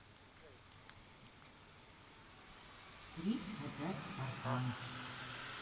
триста пять спартанцев